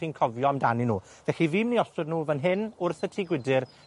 chi'n cofio amdanyn nw, felly fi myn' i osod nw fan hyn, wrth y tŷ gwydyr,